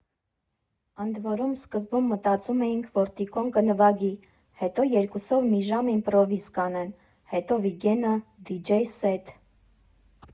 Ընդ որում, սկզբում մտածել էինք, որ Տիկոն կնվագի, հետո երկուսով մի ժամ իմպրովիզ կանեն, հետո Վիգենը՝ դիջեյ սեթ։